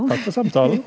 takk for samtalen.